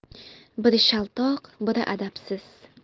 biri shaltoq biri adabsiz